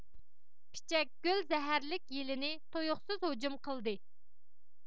پىچەكگۈل زەھەرلىك يىلىنى تۇيۇقسىز ھۇجۇم قىلدى